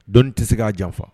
Dɔn tɛ se k'a janfa